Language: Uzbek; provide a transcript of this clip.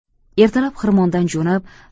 ertalab xirmondan jo'nab